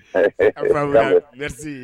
a faamuna merci